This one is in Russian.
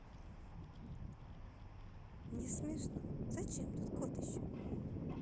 не смешно зачем тут кот еще